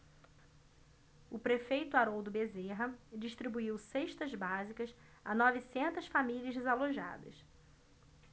o prefeito haroldo bezerra distribuiu cestas básicas a novecentas famílias desalojadas